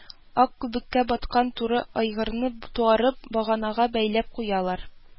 Ак күбеккә баткан туры айгырны, туарып, баганага бәйләп куялар